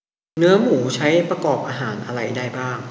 เนื้อหมูใช้ประกอบอาหารอะไรได้บ้าง